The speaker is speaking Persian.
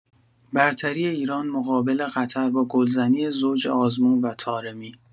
برتری ایران مقابل قطر با گلزنی زوج آزمون و طارمی